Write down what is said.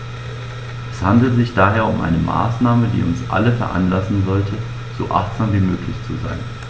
Es handelt sich daher um eine Maßnahme, die uns alle veranlassen sollte, so achtsam wie möglich zu sein.